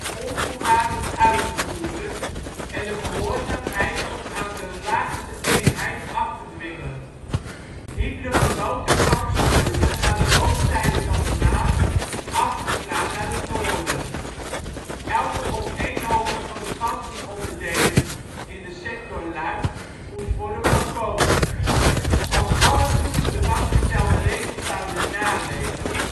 onvoorwaardelijk uit te voeren en de gehoorzaamheid tot aan de laagste eenheid af te dwingen. Hitler verbood de pantsertroepen aan de oostzijde van de Maas af te slaan naar het noorden. Elke opeenhoping van de pantseronderdelen in de sector Luik moest worden voorkomen. Als alle troepen de vastgestelde regels zouden naleven